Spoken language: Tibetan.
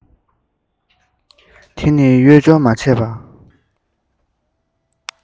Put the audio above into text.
དེ ནི གཡོས སྦྱོར མ བྱས པའི